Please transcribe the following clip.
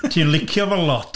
Ti'n licio fo lot.